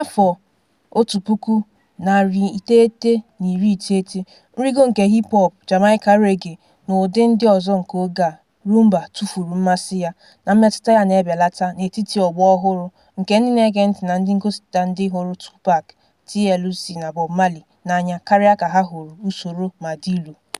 N'afọ 1990, nrịgo nke hip-hop, Jamaican Reggae, na ụdị ndị ọzọ nke oge a, Rhumba tụfuru mmasị ya na mmetụta ya na-ebelata n'etiti ọgbọ ọhụrụ nke ndị na-ege ntị na ndị ngosịpụta ndị hụrụ Tupac, TLC, na Bob Marley n'anya karịa ka ha hụrụ usoro Madilu.